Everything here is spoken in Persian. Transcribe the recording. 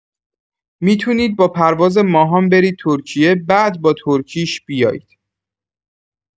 می‌تونید با پرواز ماهان برید ترکیه بعد با ترکیش بیاید.